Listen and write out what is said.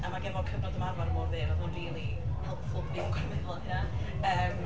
A ma' gynna fo cyfnod ymarfer mor fyr, oedd o'n rili helpful ddim gorfod meddwl am hynna. Yym...